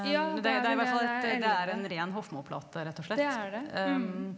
ja det er vel det det er elleve det er det ja.